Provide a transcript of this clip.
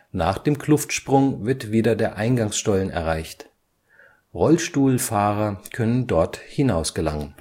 Nach dem Kluftsprung wird wieder der Eingangsstollen erreicht. Rollstuhlfahrer können dort hinausgelangen